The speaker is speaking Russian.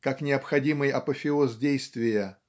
как необходимый апофеоз действия